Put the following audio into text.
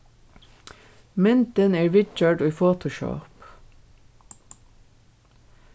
myndin er viðgjørd í photoshop